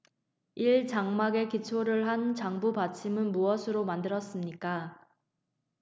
일 장막의 기초를 위한 장부 받침은 무엇으로 만들었습니까